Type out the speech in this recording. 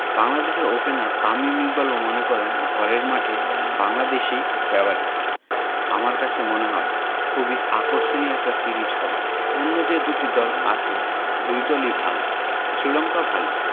বাংলাদেশের ওপেনার তামিম ইকবালও মনে করেন ঘরের মাঠে বাংলাদেশই ফেবারিট আমার কাছে মনে হয় খুবই আকর্ষণীয় একটা সিরিজ হবে অন্য যে দুটি দল আছে দুই দলই ভালো শ্রীলঙ্কা ভালো